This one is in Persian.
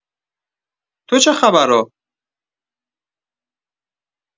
تو چه خبرا؟